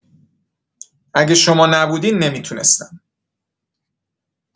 اگه شما نبودین، نمی‌تونستم.